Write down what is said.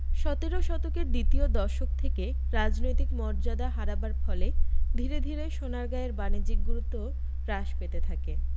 সতেরো শতকের দ্বিতীয় দশক থেকে রাজনৈতিক মর্যাদা হারাবার ফলে ধীরে ধীরে সোনারগাঁয়ের বাণিজ্যিক গুরুত্বও হ্রাস পেতে থাকে